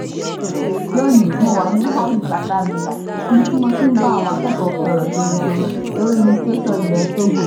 Lónìí mo wà ní lycée Bassar Ville níbi tí mo ti ń bá àwọn akẹ́kọ̀ọ́ fi ọ̀rọ̀ jomitoro lórí litiréṣọ̀ ilẹ̀ Togo.